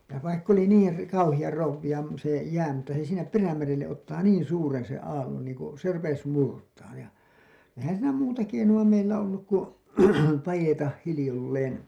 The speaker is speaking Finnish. ja vaikka oli niin kauhean krouvia - se jää mutta se sinne Perämerelle ottaa niin suuren sen aallon niin kun se rupesi murtamaan ja eihän siinä muuta keinoa meillä ollut kuin paeta hiljalleen